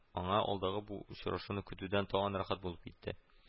Аңа алдагы бу очрашуны көтүдән тагын рәхәт булып китте